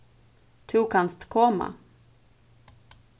tú kanst koma